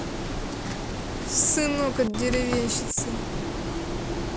сынок от деревенщины